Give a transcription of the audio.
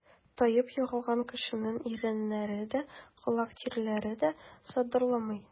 Таеп егылган кешенең иреннәре дә, колак тирәләре дә сыдырылмый.